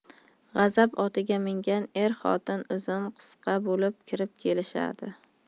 g'azab otiga mingan er xotin uzun qisqa bo'lib kirib kelishadi